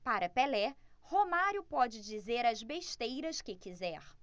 para pelé romário pode dizer as besteiras que quiser